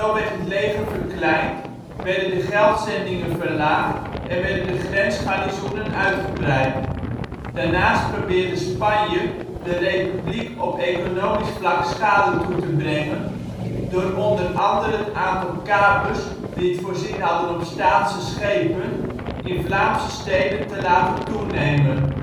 werd het leger verkleind, werden de geldzendingen verlaagd en werden de grensgarnizoenen uitgebreid. Daarnaast probeerde Spanje de Republiek op economisch vlak schade toe te brengen door onder andere het aantal kapers, die het voorzien hadden op Staatse schepen, in Vlaamse steden te laten toenemen